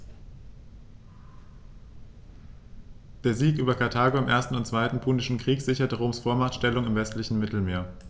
Der Sieg über Karthago im 1. und 2. Punischen Krieg sicherte Roms Vormachtstellung im westlichen Mittelmeer.